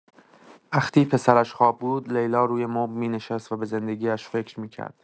وقتی پسرش خواب بود، لیلا روی مبل می‌نشست و به زندگی‌اش فکر می‌کرد.